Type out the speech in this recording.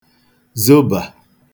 zobà